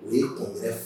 U ye kɔn